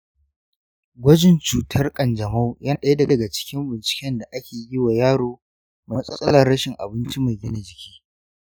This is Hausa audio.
gwajin cutar kanjamau yana ɗaya daga cikin binciken da ake yi wa yaro mai matsalar rashin abinci mai gina jiki.